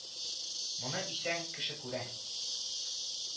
Моны исән кеше күрә